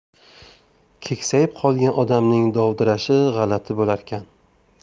keksayib qolgan odamning dovdirashi g'alati bo'larkan